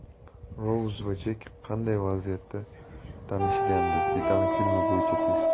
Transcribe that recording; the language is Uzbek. rouz va jek qanday vaziyatda tanishgandi titanik filmi bo'yicha test